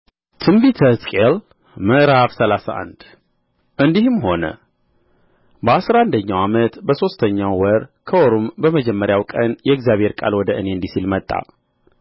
በትንቢተ ሕዝቅኤል ምዕራፍ ሰላሳ አንድ እንዲህም ሆነ በአሥራ አንደኛው ዓመት በሦስተኛው ወር ከወሩም በመጀመሪያው ቀን የእግዚአብሔር ቃል ወደ እኔ እንዲህ ሲል መጣ